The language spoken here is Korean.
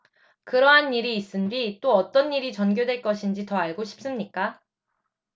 그러한 일이 있은 뒤 또 어떤 일이 전개될 것인지 더 알고 싶습니까